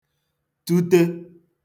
tute